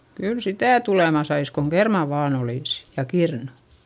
kyllä sitä tulemaan saisi kun kermaa vain olisi ja kirnu